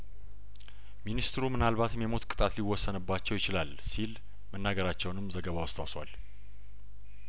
ሚኒስትሩምናልባትም የሞት ቅጣት ሊወሰንባቸው ይችላል ሲል መናገራቸውንም ዘገባው አስታውሷል